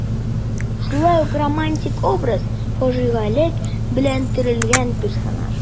Шулай ук романтик образ, фаҗигалек белән төрелгән персонаж.